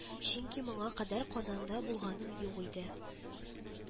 Чөнки моңа кадәр Казанда булганым юк иде